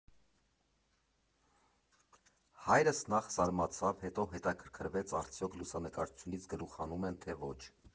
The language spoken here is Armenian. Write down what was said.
Հայրս նախ զարմացավ, հետո հետաքրքրվեց՝ արդյոք լուսանկարչությունից գլուխ հանում են, թե ոչ։